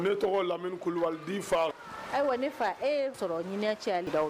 Ne tɔgɔ lamini kulubalifa ayiwa ne fa e ye sɔrɔ ɲcɛ da